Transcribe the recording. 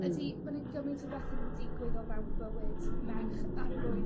ydi ma' 'na gymaint o bethe'n digwydd o fewn bywyd merch ar yr oed